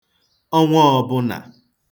ọnwa ọbụnà